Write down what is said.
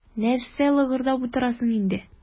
Нәрсә лыгырдап утырасың инде.